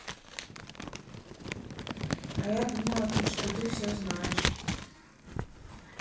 а я думала что ты все знаешь